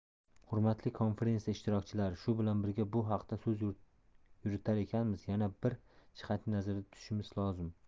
hurmatli konferensiya ishtirokchilari shu bilan birga bu haqda so'z yuritar ekanmiz yana bir jihatni nazarda tutishimiz lozim